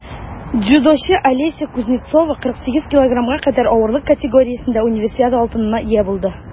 Дзюдочы Алеся Кузнецова 48 кг кадәр авырлык категориясендә Универсиада алтынына ия булды.